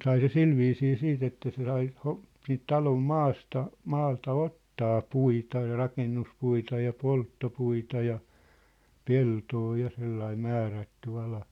sai se sillä viisiin sitten että se sai - siitä talon maasta maalta ottaa puita ja rakennuspuita ja polttopuita ja peltoa ja sellainen määrätty ala